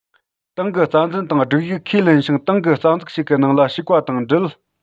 ཏང གི རྩ འཛིན དང སྒྲིག ཡིག ཁས ལེན ཞིང ཏང གི རྩ འཛུགས ཤིག གི ནང ལ ཞུགས པ དང འབྲེལ